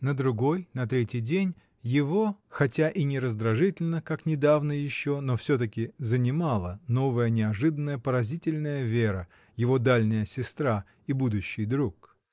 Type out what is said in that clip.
На другой, на третий день его — хотя и не раздражительно, как недавно еще, но все-таки занимала новая, неожиданная, поразительная Вера, его дальняя сестра и будущий друг.